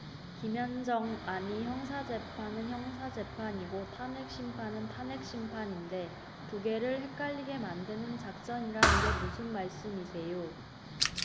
김현정 아니 형사재판은 형사재판이고 탄핵심판은 탄핵심판인데 두 개를 헷갈리게 만드는 작전이라는 게 무슨 말씀이세요